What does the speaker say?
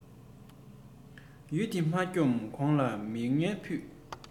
ཡུལ སྡེ མ འཁྱོམས གོང ལ མི ངན ཕུད